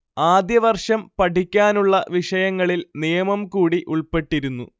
ആദ്യവർഷം പഠിക്കാനുള്ള വിഷയങ്ങളിൽ നിയമം കൂടി ഉൾപ്പെട്ടിരുന്നു